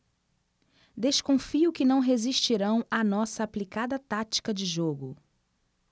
desconfio que não resistirão à nossa aplicada tática de jogo